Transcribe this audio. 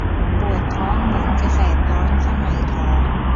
ปวดท้องเหมือนจะแสบร้อนข้างในท้อง